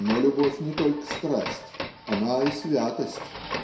Но любовь не только страсть: она - и святость.